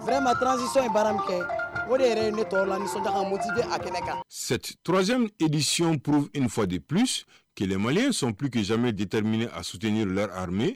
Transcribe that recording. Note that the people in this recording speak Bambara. Ɛrɛma transisan ye baara min kɛ o de yɛrɛ ne tɔɔrɔ la nisɔnga mutidi a kɛlen kan sete trzeesiyonpurp infadi pls kɛlɛmalen sonpurkisime detemini a sutee la me